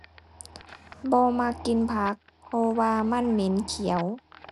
บ่มักกินผักเพราะว่ามันเหม็นเขียว